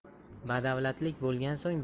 badavlatlik bo'lgan so'ng